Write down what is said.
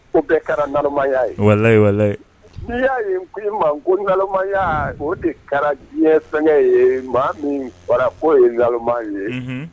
O bɛɛ kɛra namaya yeyiyi ni'i y'a ye ko ma kolalamamaya o de kɛra diɲɛ fɛn ye maa min fara fɔ ye na ye